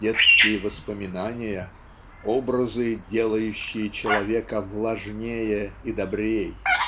"детские воспоминания, образы, делающие человека влажнее и добрей".